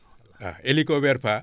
waa hélicoverpa